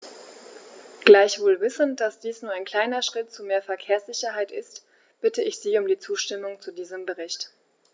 Gleichwohl wissend, dass dies nur ein kleiner Schritt zu mehr Verkehrssicherheit ist, bitte ich Sie um die Zustimmung zu diesem Bericht.